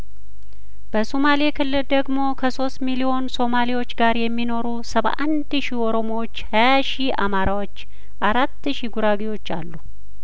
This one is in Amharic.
በሱማሌ ክልል ደግሞ ከሶስት ሚሊዮን ሶማሌዎች ጋር የሚኖሩ ሰባ አንድ ሺ ኦሮሞዎች ሀያ ሺ አማራዎች አራት ሺ ጉራጌዎች አሉ